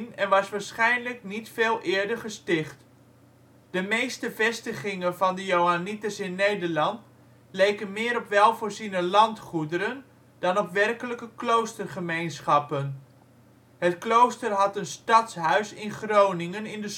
en was waarschijnlijk niet veel eerder gesticht. De meeste vestigingen van de Johannieters in Nederland leken meer op welvoorziene landgoederen dan op werkelijke kloostergemeenschappen. Het klooster had een stadshuis in Groningen in de